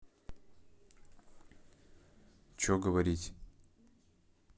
че говорить